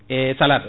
e salade